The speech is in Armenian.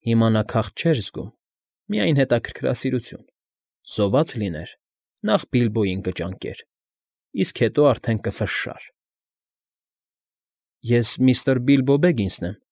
Հիմա նա քաղց չէր զգում, միայն հետաքրքրասիրություն. սոված լիներ, նախ Բիլբոյին կճանկեր, իսկ հետո արդեն կֆշշար։ ֊ Ես միստր Բիլբո Բեգինսն են։